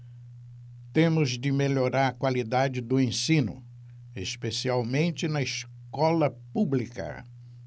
temos de melhorar a qualidade do ensino especialmente na escola pública